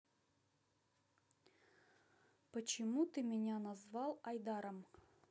почему ты меня назвал айдаром